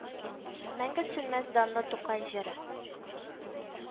Мәңге сүнмәс данлы Тукай җыры